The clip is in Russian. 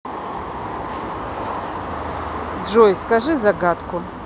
джой скажи загадку